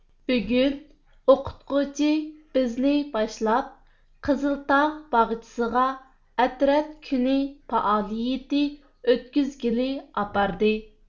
بۈگۈن ئوقۇتقۇچى بىزنى باشلاپ قىزىلتاغ باغچىسىغا ئەترەت كۈنى پائالىيىتى ئۆتكۈزگىلى ئاپاردى